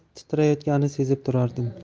titrayotganini sezib turardim